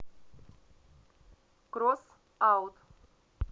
кросс аут